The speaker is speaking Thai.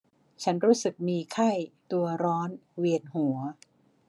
ฉันรู้สึกมีไข้ตัวร้อนเวียนหัว